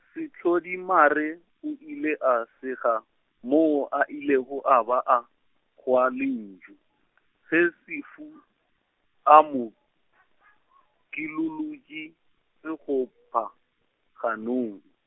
Sehlodimare o ile a sega moo a ilego a ba a, hwa lentšu , ge Sefu a mo , kilolotše-, sekgopha ganong.